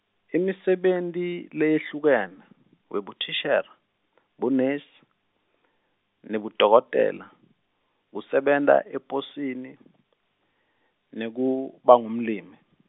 imisebenti leyehlukene, webuthishela, bunes-, nebudokotela, kusebenta eposini nekubangumlimi.